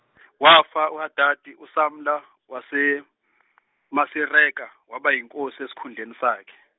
wafa uHadadi uSamla waseMasireka waba yinkosi esikhundleni sakhe.